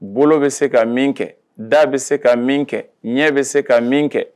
Bolo bɛ se ka min kɛ da bɛ se ka min kɛ ɲɛ bɛ se ka min kɛ